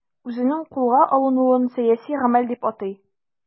Үзенең кулга алынуын сәяси гамәл дип атый.